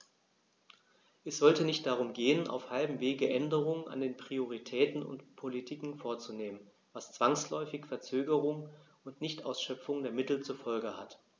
Es sollte nicht darum gehen, auf halbem Wege Änderungen an den Prioritäten und Politiken vorzunehmen, was zwangsläufig Verzögerungen und Nichtausschöpfung der Mittel zur Folge hat.